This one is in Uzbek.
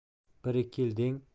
bir ikki yil deng